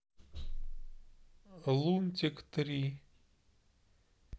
лунтик три